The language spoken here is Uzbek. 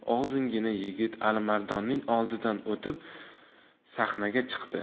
ozg'ingina yigit alimardonning oldidan o'tib sahnaga chiqdi